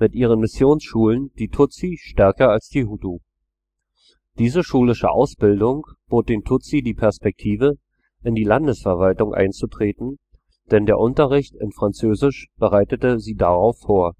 in ihren Missionsschulen die Tutsi stärker als die Hutu. Diese schulische Ausbildung bot den Tutsi die Perspektive, in die Landesverwaltung einzutreten, denn der Unterricht in Französisch bereitete sie darauf vor